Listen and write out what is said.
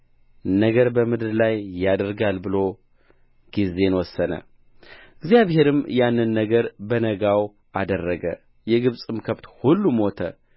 ነገር በምድር ላይ ያደርጋል ብሎ ጊዜን ወሰነ እግዚአብሔርም ያንን ነገር በነጋው አደረገ የግብፅም ከብት ሁሉ ሞተ